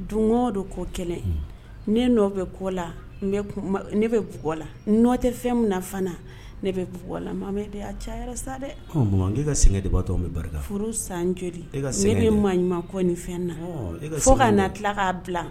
Dun de ko kɛlɛ ne bɛ kɔ la ne bɛ bug la nɔ tɛ fɛn min fana ne bɛ bug la' ca yɛrɛ sa dɛ ka sɛgɛn de bɛ barika furu san jɔ bɛ maa ɲuman kɔ ni fɛn na fo ka na tila k'a bila